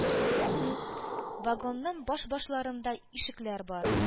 Вагонның баш-башларында ишекләр бар.